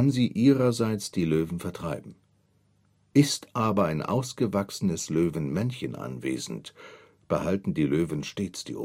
sie ihrerseits die Löwen vertreiben. Ist aber ein ausgewachsenes Löwenmännchen anwesend, behalten die Löwen stets die